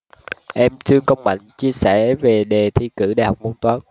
em trương công mạnh chia sẻ về đề thi thử đại học môn toán